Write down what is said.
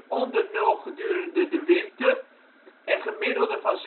onder nul gedurende de winter en gemiddelde van